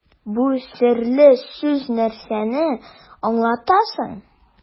Бу серле сүз нәрсәне аңлата соң?